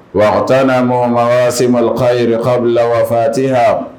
Wa t mɔgɔ mɔgɔ se malo ka yɛrɛ k'a bila waafati yan